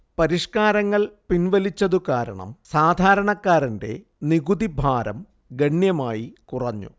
പരിഷ്കാരങ്ങൾ പിൻവലിച്ചതുകാരണം സാധാരണക്കാരന്റെ നികുതിഭാരം ഗണ്യമായി കുറഞ്ഞു